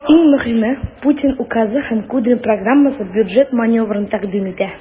Иң мөһиме, Путин указы һәм Кудрин программасы бюджет маневрын тәкъдим итә.